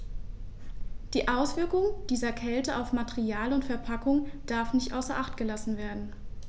Die Auswirkungen dieser Kälte auf Material und Verpackung darf nicht außer acht gelassen werden.